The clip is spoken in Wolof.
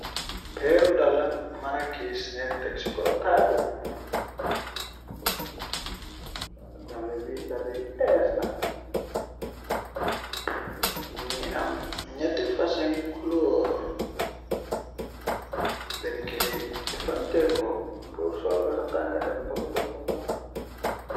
Peeru dala marakis neen texiko taabal bi dala bi dala yu eecla mi ngi am ñatti fasa ngi cloor den key jëfante ko p s sa tànga dem topato sa soxal.